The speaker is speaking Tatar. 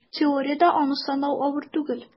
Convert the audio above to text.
Теориядә аны санау авыр түгел: